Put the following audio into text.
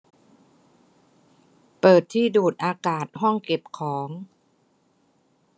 เปิดที่ดูดอากาศห้องเก็บของ